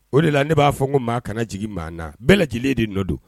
O de la ne b'a fɔ ko maa kana jigin maa na bɛɛ lajɛlen de nɔ don.